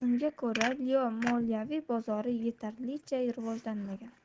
unga ko'ra yeoii moliyaviy bozori yetarlicha rivojlanmagan